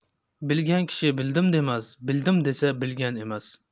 bilgan kishi bildim demas bildim desa bilgan emas